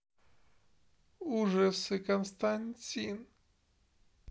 ужасы константин